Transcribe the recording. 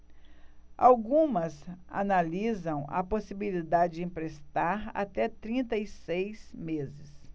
algumas analisam a possibilidade de emprestar até trinta e seis meses